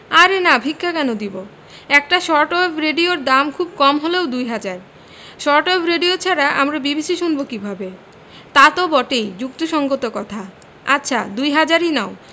আরে না ভিক্ষা কেন দিব একটা শর্ট ওয়েভ রেডিওর দাম খুব কম হলেও দু হাজার শর্ট ওয়েভ রেডিও ছাড়া আমরা বিবিসি শুনব কিভাবে তা তো বটেই যুক্তিসংগত কথা আচ্ছা দু হাজারই নাও